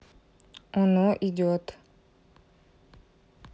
оно идет